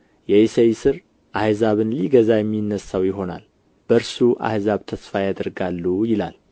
የእሴይ ሥር አሕዛብንም ሊገዛ የሚነሣው ይሆናል በእርሱ አሕዛብ ተስፋ ያደርጋሉ ይላል